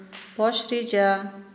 bosh reja